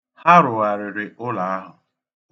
Ha rụgharịrị ụlọ ahụ.